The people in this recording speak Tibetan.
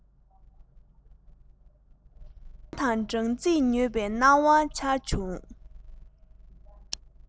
ཆང དང སྦྲང རྩིས མྱོས པའི སྣང བ འཆར བྱུང